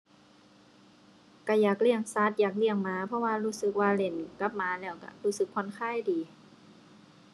ก็อยากเลี้ยงสัตว์อยากเลี้ยงหมาเพราะว่ารู้สึกว่าเล่นกับหมาแล้วก็รู้สึกผ่อนคลายดี